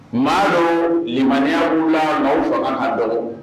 Ma dɔnlilimaya b'u la mɔgɔw faga ka dɔgɔ